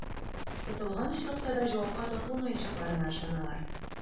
Тотылган очракта да җавапка тартылмаячакларына ышаналар.